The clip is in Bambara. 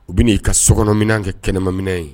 U bɛ na' i ka sokɔnɔmin kɛ kɛnɛmaminɛ ye